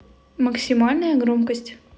максимальная громкость